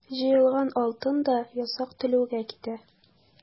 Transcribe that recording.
Җыелган алтын да ясак түләүгә китә.